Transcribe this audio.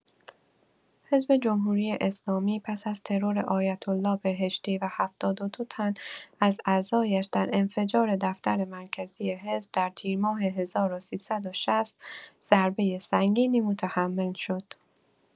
حزب جمهوری‌اسلامی پس از ترور آیت‌الله بهشتی و ۷۲ تن از اعضایش در انفجار دفتر مرکزی حزب در تیرماه ۱۳۶۰، ضربه سنگینی متحمل شد.